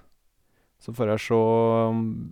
Så får jeg se om...